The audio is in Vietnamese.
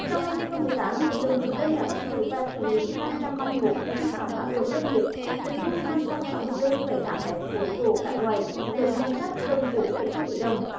trong năm hai không mười tám lực lượng kiểm lâm đã bắt giữ và xử lý năm trăm ba mươi mốt vụ vi phạm pháp luật lâm nghiệp tịch thu năm trăm sáu mươi tư phẩy tám mét khối gỗ các loại nộp ngân sách hơn bốn phẩy hai tỷ đồng